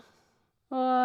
Og...